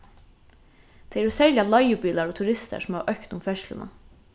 tað eru serliga leigubilar og turistar sum hava økt um ferðsluna